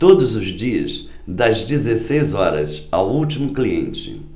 todos os dias das dezessete horas ao último cliente